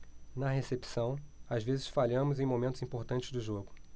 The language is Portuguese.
na recepção às vezes falhamos em momentos importantes do jogo